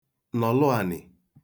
nọ̀lụ ànị̀